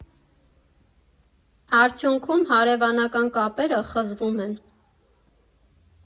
Արդյունքում՝ հարևանական կապերը խզվում են։